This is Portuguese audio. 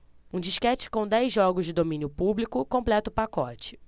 um disquete com dez jogos de domínio público completa o pacote